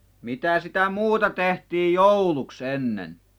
mitä sitä muuta tehtiin jouluksi ennen